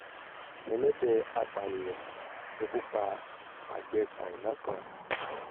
Ẹlẹ́dẹ̀ Apànìyàn Ṣekú pa Àgbẹ̀ Ṣáína kan.